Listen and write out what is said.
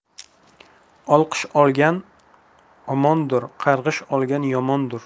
olqish olgan omondir qarg'ish olgan yomondir